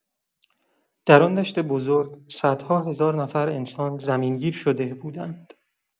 در آن دشت بزرگ، صدها هزار نفر انسان زمین‌گیر شده بودند.